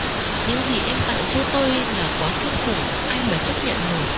những gì em tặng cho tôi là quá kinh khủng ai mà chấp nhận nổi